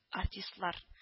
Артистлар